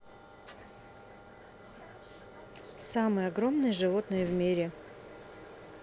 самые огромные животные в мире